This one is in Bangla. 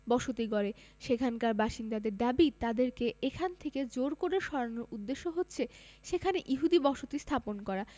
বসতি গড়ে সেখানকার বাসিন্দাদের দাবি তাদেরকে এখান থেকে জোর করে সরানোর উদ্দেশ্য হচ্ছে সেখানে ইহুদি বসতি স্থাপন করা